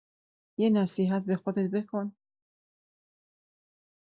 یه نصیحت به خودت بکن!